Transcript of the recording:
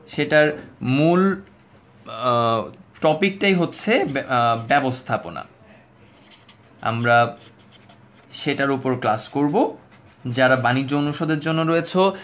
সেটার মূল টপিকঃ টাই হচ্ছে ব্যবস্থাপনা আমরা সেটার উপর ক্লাস করবো যারা বাণিজ্য অনুষদের জন্য রয়েছো